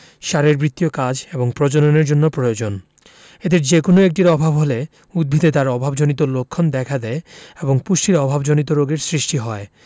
শারীরবৃত্তীয় কাজ এবং প্রজননের জন্য প্রয়োজন এদের যেকোনো একটির অভাব হলে উদ্ভিদে তার অভাবজনিত লক্ষণ দেখা দেয় এবং পুষ্টির অভাবজনিত রোগের সৃষ্টি হয়